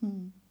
mm